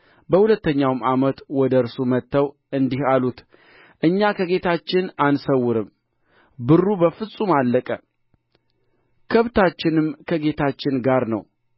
በሁለተኛውም ዓመት ወደ እርሱ መጥተው እንዲህ አሉት እኛ ከጌታችን አንሰውርም ብሩ በፍጹም አለቀ ከብታችንም ከጌታችን ጋር ነው